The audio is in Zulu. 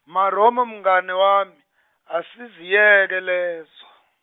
Meromo, mngane wami asiziyeke lezo.